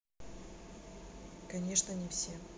конечно не все